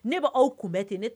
Ne b'aw kunbɛn ten